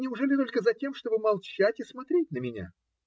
Неужели только затем, чтобы молчать и смотреть на меня?